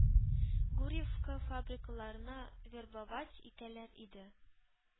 Гурьевка фабрикаларына вербовать итәләр иде.